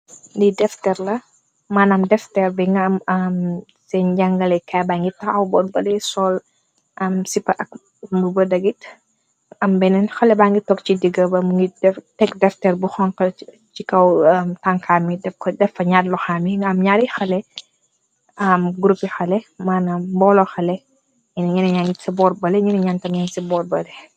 di fla manam defteer bi nga am seen njangale kaay ba ngi taxaw boorbale sool am sipa ak nduba dagit am beneen xale ba ngi tog ci diga ba mungi teg defteer bu xonx ci kaw tanka mi def ko defa ñat loxa mi nga m ñaari xale am grupi xale manam mboolo xale n ña it ci borbale ñin ñantmeen ci boorbale.